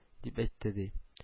— дип әйтте, ди